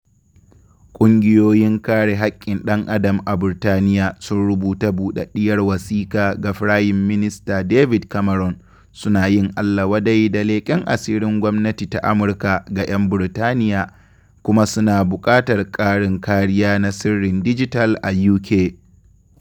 Ƙungiyoyin kare haƙƙin ɗan adam a Burtaniya sun rubuta buɗaɗɗiyar wasiƙa ga Firayim Minista David Cameron, suna yin Allah wadai da leƙen asirin gwamnati ta Amurka ga 'yan Burtaniya kuma suna buƙatar ƙarin kariya na sirrin dijital a UK.